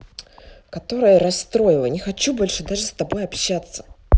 которая расстроила не хочу больше даже с тобой общаться